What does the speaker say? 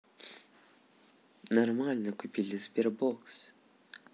нормально купили sberbox